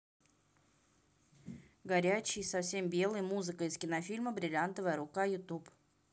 горячий совсем белый музыка из кинофильма бриллиантовая рука youtube